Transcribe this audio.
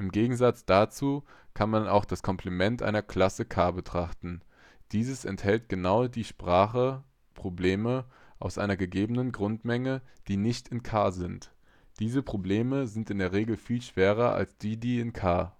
Gegensatz dazu kann man auch das Komplement einer Klasse K betrachten. Dieses enthält genau die Sprachen/Probleme aus einer gegebenen Grundmenge, die nicht in K sind; diese Probleme sind in der Regel viel schwerer als die in K.